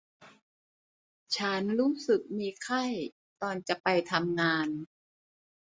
ฉันรู้สึกมีไข้ตอนจะไปทำงาน